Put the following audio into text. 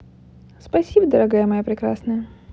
спасибо дорогая моя прекрасная